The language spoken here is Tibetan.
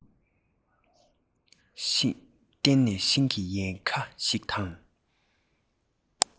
བསྟུན ནས ཤིང གི ཡལ ག ཞིག དང